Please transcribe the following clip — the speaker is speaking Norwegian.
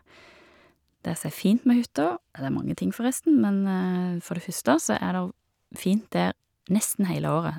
Det som er fint med hytta, ja, det er mange ting, forresten, men for det første så er der fint der nesten heile året.